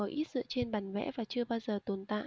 ít dựa trên bản vẽ và chưa bao giờ tồn tại